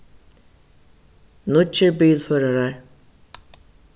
nýggir bilførarar